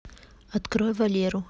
открой валеру